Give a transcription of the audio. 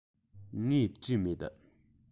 ངས བྲིས མེད